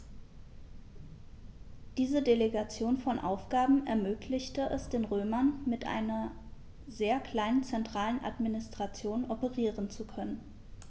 Diese Delegation von Aufgaben ermöglichte es den Römern, mit einer sehr kleinen zentralen Administration operieren zu können.